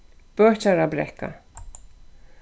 bøkjarabrekka